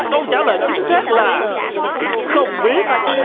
câu trả lời chính xác là không biết